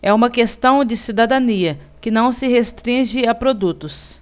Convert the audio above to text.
é uma questão de cidadania que não se restringe a produtos